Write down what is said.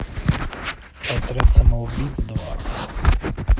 отряд самоубийц два